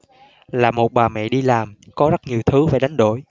là một bà mẹ đi làm có rất nhiều thứ phải đánh đổi